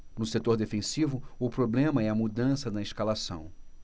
no setor defensivo o problema é a mudança na escalação